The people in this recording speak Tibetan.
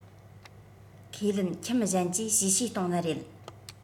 ཁས ལེན ཁྱིམ གཞན གྱིས གཤེ གཤེ གཏོང ནི རེད